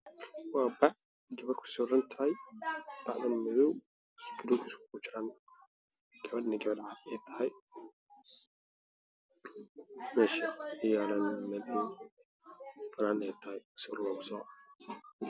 Waa warqad ay ku sawiran tahay gabar gabadhana waa gabar cad